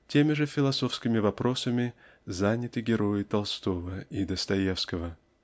Теми же философскими вопросами заняты герои Толстого и Достоевского.